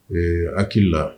Ee ha hakili